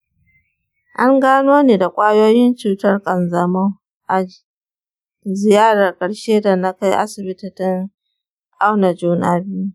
an gano ni da ƙwayoyin cutar kanjamau a ziyarar ƙarshe da na kai asibiti don auna juna biyu.